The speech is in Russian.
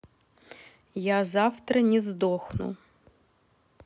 я завтра не сдохну